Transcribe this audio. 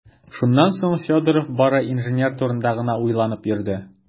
Шуннан соң Федоров бары инженер турында гына уйланып йөрде.